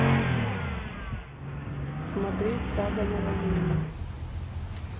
смотреть сага новолуние